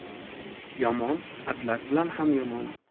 yomon atlas bilan ham yomon